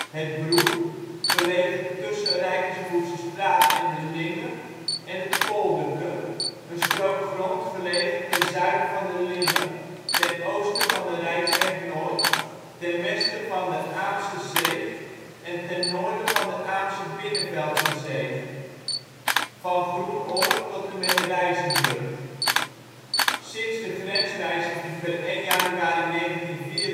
het Broek, gelegen tussen Rijkerswoerdsestraat en de Linge en het Polderke, een strook grond gelegen ten zuiden van de Linge, ten oosten van de Rijksweg Noord, ten westen van de Aamse Zeeg en ten noorden van de Aamse Binnenveldse Zeeg (van Groenoord tot en met Rijzenburg). Sinds de grenswijziging per 1 januari 1974